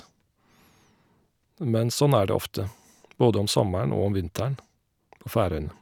Men sånn er det ofte både om sommeren og om vinteren på Færøyene.